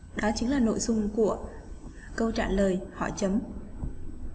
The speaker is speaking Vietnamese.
đó chính là nội dung của câu trả lời hỏi chấm